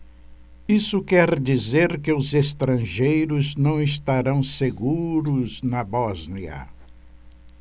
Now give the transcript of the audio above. isso quer dizer que os estrangeiros não estarão seguros na bósnia